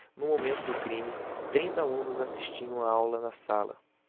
no momento do crime trinta alunos assistiam aula na sala